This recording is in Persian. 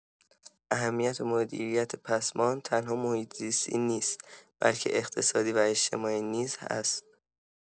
اهمیت مدیریت پسماند تنها محیط زیستی نیست، بلکه اقتصادی و اجتماعی نیز هست.